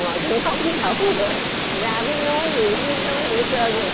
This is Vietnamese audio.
ngồi trong khóc nức nở ra biết nói gì không biết nói gì hết trơn à